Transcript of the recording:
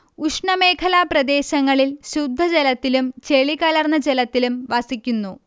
ഉഷ്ണമേഖലാ പ്രദേശങ്ങളിൽ ശുദ്ധജലത്തിലും ചെളികലർന്ന ജലത്തിലും വസിക്കുന്നു